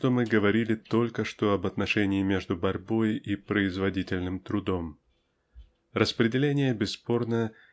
что мы говорили только что об отношении между борьбой и производительным трудом. Распределение бесспорно